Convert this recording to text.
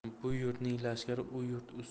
bu yurtning lashkari u